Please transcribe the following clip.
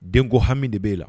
Den ko hami de b'e la